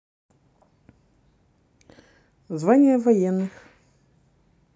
звание военных